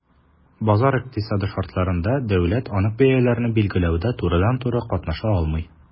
Базар икътисады шартларында дәүләт анык бәяләрне билгеләүдә турыдан-туры катнаша алмый.